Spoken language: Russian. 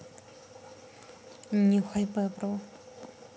нюхай бебру